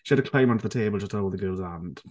She had to climb onto the table just to hold the girl's hand.